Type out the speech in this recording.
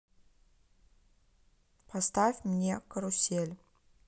поставь мне карусель